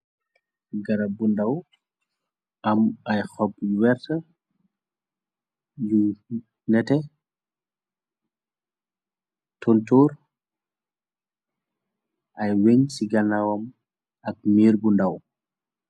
Garab bu ndàw am ay xob werta yu nete tontoor ay wëñ ci ganawam ak miir bu ndàw.